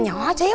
nhỏ xíu à